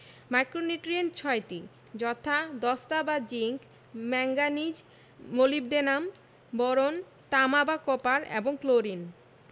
micronutrient ৬টি যথা দস্তা বা জিংক ম্যাংগানিজ মোলিবডেনাম বোরন তামা বা কপার এবং ক্লোরিন